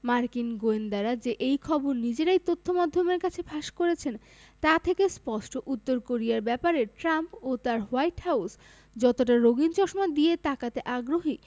মার্কিন গোয়েন্দারা যে এই খবর নিজেরাই তথ্যমাধ্যমের কাছে ফাঁস করেছেন তা থেকে স্পষ্ট উত্তর কোরিয়ার ব্যাপারে ট্রাম্প ও তাঁর হোয়াইট হাউস যতটা রঙিন চশমা দিয়ে তাকাতে আগ্রহী